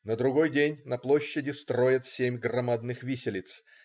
На другой день на площади строят семь громадных виселиц.